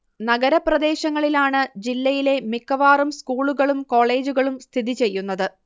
നഗരപ്രദേശങ്ങളിലാണ് ജില്ലയിലെ മിക്കവാറും സ്കൂളുകളും കോളേജുകളും സ്ഥിതി ചെയ്യുന്നത്